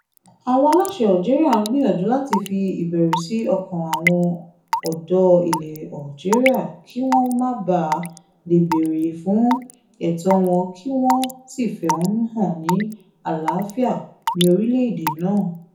"Àwọn aláṣẹ Algeria ń gbìyànjú láti fi ìbẹ̀rù sí ọkàn àwọn ọ̀dọ́ ilẹ̀ Algeria kí wọ́n má baà le bèèrè fún ẹ̀tọ́ wọn kí wọ́n sì fẹ̀hónú hàn ní àlàáfíà ní orílẹ̀-èdè náà.